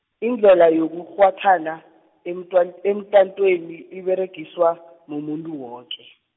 indlela yokukghwathana, emntwant- emntatweni, iberegiswa, mumuntu woke.